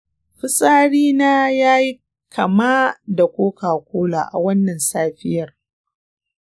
fitsari na ya yi kama da koka-kola a wannan safiyar.